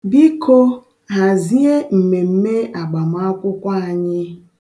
Biko, hazie mmemme agbamakwụkwọ anyị.